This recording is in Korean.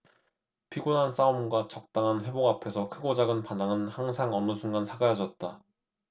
피곤한 싸움과 적당한 회복 앞에서 크고 작은 반항은 항상 어느 순간 사그라졌다